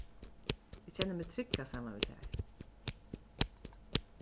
eg kenni meg trygga saman við tær